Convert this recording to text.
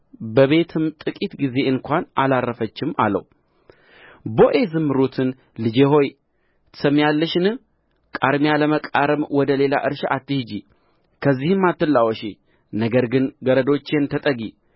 በቤትም ጥቂት ጊዜ እንኳ አላረፈችም አለው ቦዔዝም ሩትን ልጄ ሆይ ትሰሚያለሽን ቃርሚያ ለመቃረም ወደ ሌላ እርሻ አትሂጂ ከዚህም አትላወሺ ነገር ግን ገረዶቼን ተጠጊ